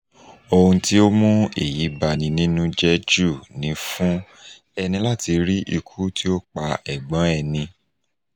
Ohun tí ó mú èyí bani nínú jẹ́ jù ni fún ẹni láti rí ikú tí ó pa ẹ̀gbọ́n ẹni.